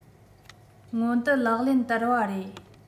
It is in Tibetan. སྔོན དུ ལག ལེན བསྟར བ རེད